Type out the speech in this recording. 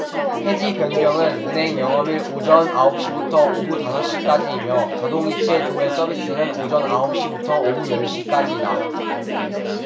해지 변경은 은행 영업일 오전 아홉 시부터 오후 다섯 시까지이며 자동이체 조회 서비스는 오전 아홉 시부터 오후 열 시까지다